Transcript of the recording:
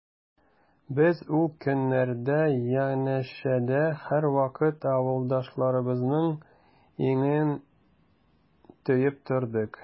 Без ул көннәрдә янәшәдә һәрвакыт авылдашларыбызның иңен тоеп тордык.